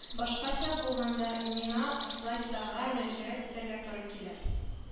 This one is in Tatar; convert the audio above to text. Башкача булганда миңа властьларга мөрәҗәгать итәргә туры килер